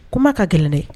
Kuma ka gɛlɛn dɛ